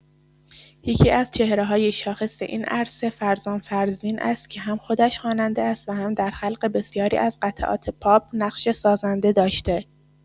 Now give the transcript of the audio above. یکی‌از چهره‌های شاخص این عرصه فرزام فرزین است که هم خودش خواننده است و هم در خلق بسیاری از قطعات پاپ نقش سازنده داشته.